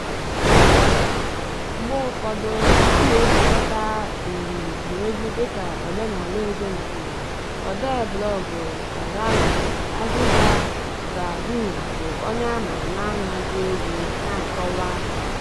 Mgbe ụfọdụ, a na-ejikọta uri na egwu dị ka omenala ezinụlọ, odee blọọgụ Sahrawi, Aziza Brahim, bụ onye ama ama na-agụ egwú na-akọwa.